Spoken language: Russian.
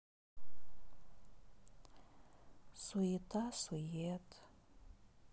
суета сует